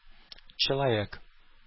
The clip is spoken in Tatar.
Человек